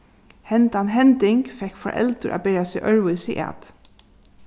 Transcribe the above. hendan hending fekk foreldur at bera seg øðrvísi at